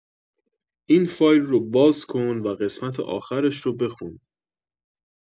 این فایل رو باز کن و قسمت آخرش رو بخون